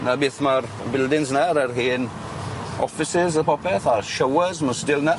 'Na beth ma'r buildings 'na ar yr hen offices a popeth a showers ma' nw still 'na.